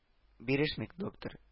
Бирешмик, доктор… Кө